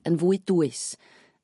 yn fwy dwys